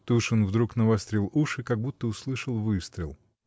Тушин вдруг навострил уши, как будто услышал выстрел.